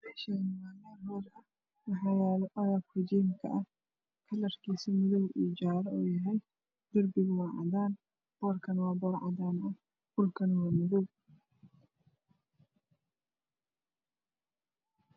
Meeshaani waa meel hool ah waxaa yaalo agabka jiimka kalarkisa madow jaale yahay darbiga waa cadaan boorka waa cadaan dhulka waa madow